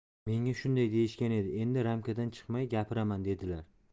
menga shunday deyishgan edi endi ramkadan chiqmay gapiraman debdilar